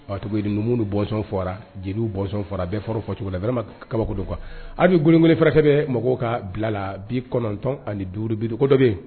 Numu bɔnsɔn fɔra jeliw bɔnsɔn fɔra bɛɛ fɔ cogo la wɛrɛ ma kabako don qu kuwa abi gkolon fɛrɛkɛ bɛ mɔgɔw ka bila la bi kɔnɔntɔn ani duuru bi dɔ bɛ